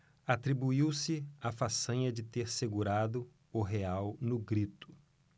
atribuiu-se a façanha de ter segurado o real no grito